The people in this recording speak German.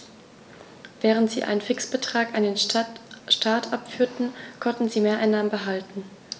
Während sie einen Fixbetrag an den Staat abführten, konnten sie Mehreinnahmen behalten.